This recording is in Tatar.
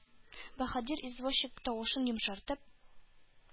Баһадир извозчик, тавышын йомшартып,